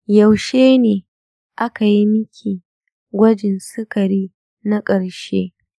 yaushe ne aka yi miki gwajin sikarin na ƙarshe?